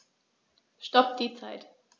Stopp die Zeit